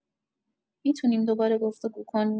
می‌تونیم دوباره گفت‌وگو کنیم؟